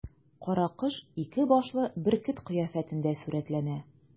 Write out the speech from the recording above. Каракош ике башлы бөркет кыяфәтендә сурәтләнә.